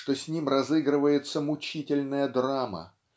что с ним разыгрывается мучительная драма